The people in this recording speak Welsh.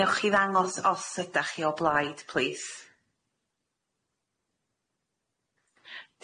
Newch chi ddangos os ydach chi o blaid plîs.